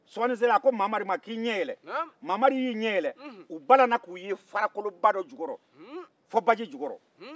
sɔɔnin sera a ko mamari i ɲɛ yɛlɛ mamari y'i ɲɛ yɛlɛ u bala k'u ye farakoloba dɔ jukɔrɔ fo baji jukɔrɔ